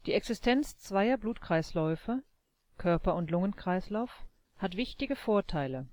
Existenz zweier Blutkreisläufe (Körper - und Lungenkreislauf) hat wichtige Vorteile